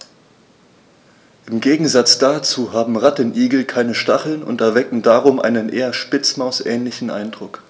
Im Gegensatz dazu haben Rattenigel keine Stacheln und erwecken darum einen eher Spitzmaus-ähnlichen Eindruck.